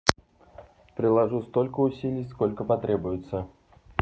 приложу столько усилий сколько потребуется